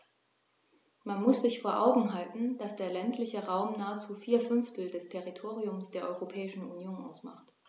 Man muss sich vor Augen halten, dass der ländliche Raum nahezu vier Fünftel des Territoriums der Europäischen Union ausmacht.